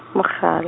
mogal-.